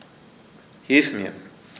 Hilf mir!